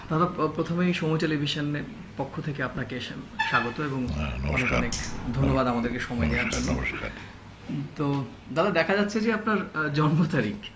hello প্রথমেই Somoy television এর পক্ষ থেকে আপনাকে স্বাগত নমস্কার এবং অনেক অনেক ধন্যবাদ আমাদেরকে সময় দেয়ার জন্য নমস্কার নমস্কার তো দাদা দেখা যাচ্ছে যে আপনার জন্ম তারিখ